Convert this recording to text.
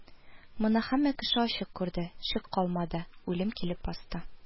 Моны һәммә кеше ачык күрде, шик калмады, үлем килеп басты